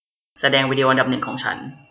แสดงวิดีโออันดับหนึ่งของฉัน